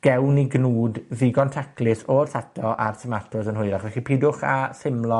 gewn ni gnwd ddigon taclus o'r tato a'r tomatos yn hwyrach. Felly pidiwch â thimlo